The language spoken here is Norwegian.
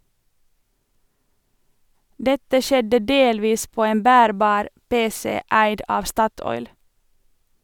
Dette skjedde delvis på en bærbar PC eid av Statoil.